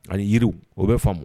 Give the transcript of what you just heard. Ani yiri o bɛ faamu